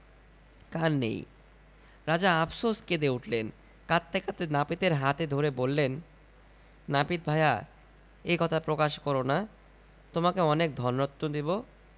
কান নেই রাজা আপসোসে কেঁদে উঠলেন কাঁদতে কাঁদতে নাপিতের হাতে ধরে বললেন নাপিত ভায়া এ কথা প্রকাশ কর না তোমাকে অনেক ধনরত্ন দেব